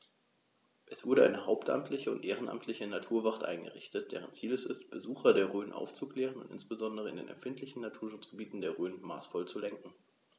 Es wurde eine hauptamtliche und ehrenamtliche Naturwacht eingerichtet, deren Ziel es ist, Besucher der Rhön aufzuklären und insbesondere in den empfindlichen Naturschutzgebieten der Rhön maßvoll zu lenken.